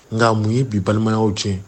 Nka mun ye bi balimaya tiɲɛ